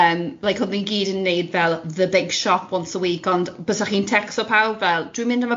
yym like oedden ni i gyd yn 'neud fel the big shop once a week, ond bysach chi'n tecsto pawb fel dwi'n mynd am